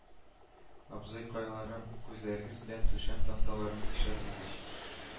Абзыкайларым, күзләрегез белән түшәм танталарын тишәсез ич